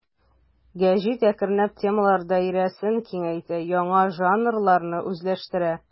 Газета акрынлап темалар даирәсен киңәйтә, яңа жанрларны үзләштерә.